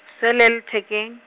sele lethekeng.